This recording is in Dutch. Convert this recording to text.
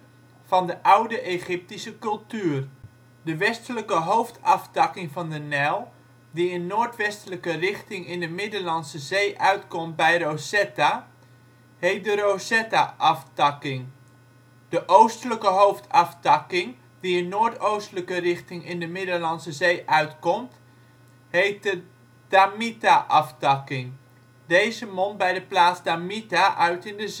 van de oude Egyptische cultuur. De westelijke hoofdaftakking van de Nijl, die in noordwestelijke richting in de Middellandse Zee uitkomt bij Rosetta, heet de Rosetta-aftakking. De oostelijke hoofdaftakking die in noordoostelijke richting in de Middellandse Zee uitkomt, heet de Damietta-aftakking. Deze mondt bij de plaats Damietta uit in